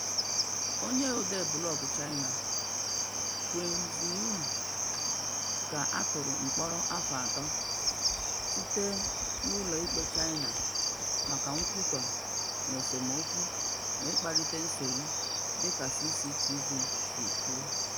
Onye odee blọgụ China Qin Zhihui ka a tụrụ mkpọrọ afọ atọ site n'ụlọikpe China maka "nkwutọ" na "esemokwu na ịkpalite nsogbu," dịka CCTV si kwuo.